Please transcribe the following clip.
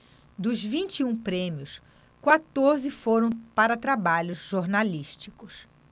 dos vinte e um prêmios quatorze foram para trabalhos jornalísticos